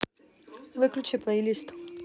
выключи плейлист